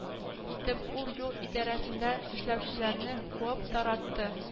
Итеп ул юл идарәсендә эшләүчеләрне куып таратты